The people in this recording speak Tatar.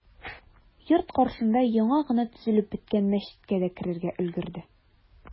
Йорт каршында яңа гына төзелеп беткән мәчеткә дә керергә өлгерде.